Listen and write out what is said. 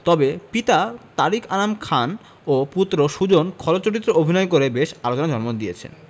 তবে পিতা তারিক আনাম খান ও পুত্র সুজন খল চরিত্রে অভিনয় করে বেশ আলোচনার জন্ম দিয়েছেন